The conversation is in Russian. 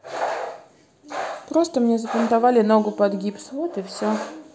просто мне забинтовали ногу под гипс вот и все